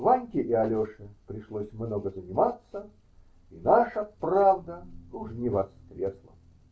Ваньке и Алеше пришлось много заниматься, и наша "Правда" уж не воскресла.